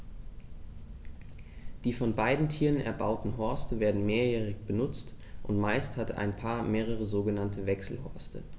Die von beiden Tieren erbauten Horste werden mehrjährig benutzt, und meist hat ein Paar mehrere sogenannte Wechselhorste.